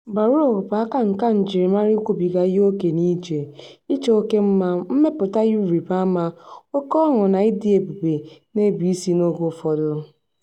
Baroque bụ akanka njiri mara ikwubiga ihe oke n'ije, ịchọ oke mma, mmepụta ihe ịrịba ama, oke ọṅụ na ị dị ebube na-ebu isi n'oge ụfọdụ.